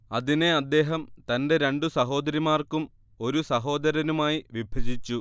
അതിനെ അദ്ദേഹം തന്റെ രണ്ടു സഹോദരിമാർക്കും ഒരു സഹോദരനുമായി വിഭജിച്ചു